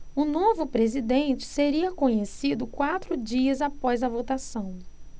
o novo presidente seria conhecido quatro dias após a votação